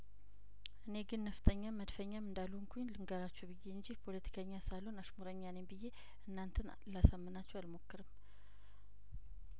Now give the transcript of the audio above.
እኔ ግን ነፍጠኛም መድፈኛም እንዳልሆኩኝ ልንገራችሁ ብዬ እንጂ ፖለቲከኛ ሳልሆን አሽሙረኛ ነኝ ብዬ እናንተን አላሳምናችሁ አልሞክርም